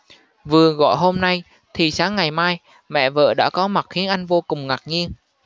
vừa gọi hôm nay thì sáng ngày mai mẹ vợ đã có mặt khiến anh vô cùng ngạc nhiên